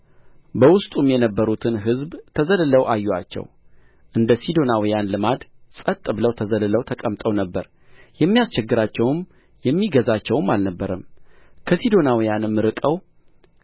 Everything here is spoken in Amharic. በውስጡም የነበሩትን ሕዝብ ተዘልለው አዩአቸው አንደ ሲዶናውያንም ልማድ ጸጥ ብለው ተዘልለው ተቀምጠው ነበር የሚያስቸግራቸውም የሚገዛቸውም አልነበረም ከሲዶናውያንም ርቀው